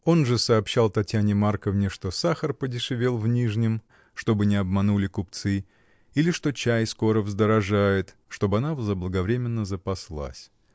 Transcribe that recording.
Он же сообщал Татьяне Марковне, что сахар подешевел в Нижнем, чтобы не обманули купцы, или что чай скоро вздорожает, чтоб она заблаговременно запаслась.